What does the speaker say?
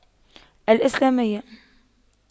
الإسلامية